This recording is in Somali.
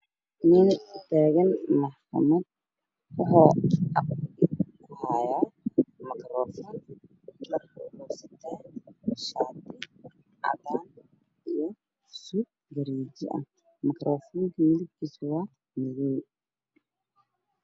Waa nin meel taagan waxa uu hayaa makaroofan dad ay u qudbeynayaa waxa uu qabaa suud caddeys ah shaati cadaan boor ayaa ka dambeeyo